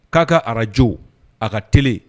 K'a ka arajo a ka t